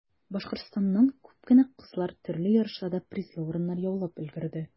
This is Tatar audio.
Башкортстаннан күп кенә кызлар төрле ярышларда призлы урыннар яулап өлгерде.